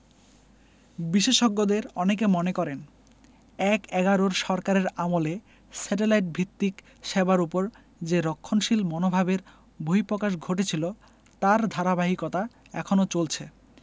বিশেষজ্ঞদের অনেকে মনে করেন এক–এগারোর সরকারের আমলে স্যাটেলাইট ভিত্তিক সেবার ওপর যে রক্ষণশীল মনোভাবের বহিঃপ্রকাশ ঘটেছিল তার ধারাবাহিকতা এখনো চলছে